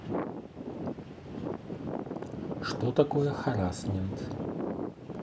что такое харасмент